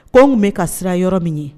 Anw tun bɛ ka sira yɔrɔ min ye